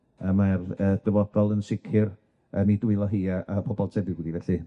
a mae'r yy dyfodol yn sicir yn 'i dwylo hi a a pobol tebyg iddi felly...